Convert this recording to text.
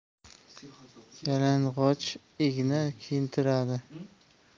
yalang'och igna kiyintiradi